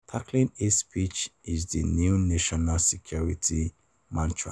Tackling hate speech is the new ‘national security’ mantra